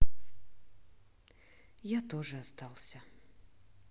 я тоже остался